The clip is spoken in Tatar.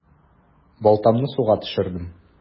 Балтамны суга төшердем.